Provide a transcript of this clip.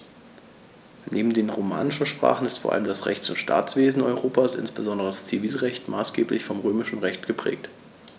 Neben den romanischen Sprachen ist vor allem das Rechts- und Staatswesen Europas, insbesondere das Zivilrecht, maßgeblich vom Römischen Recht geprägt.